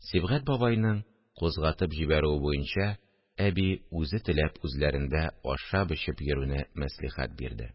Сибгать бабайның кузгатып җибәрүе буенча, әби үзе теләп үзләрендә ашап-эчеп йөрүне мәслихәт бирде